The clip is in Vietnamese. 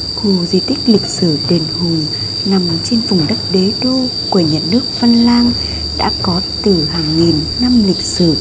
khu di tích lịch sử đền hùng nằm trên vùng đất đế đô của nhà nước văn lang đã có từ hàng nghìn năm lịch sử